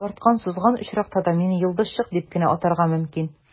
Тарткан-сузган очракта да, мине «йолдызчык» дип кенә атарга мөмкин.